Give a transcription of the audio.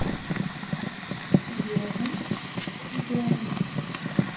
веном веном